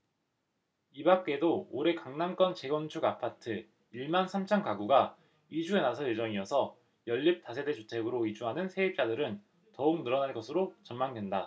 이밖에도 올해 강남권 재건축 아파트 일 만 삼천 가구가 이주에 나설 예정이어서 연립 다세대주택으로 이주하는 세입자들은 더욱 늘어날 것으로 전망된다